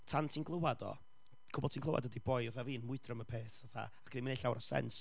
tan ti'n glywed o, cwbl ti'n clywed ydy boi fatha fi'n mwydro am y peth fatha, ac ddim yn neud llawer o sense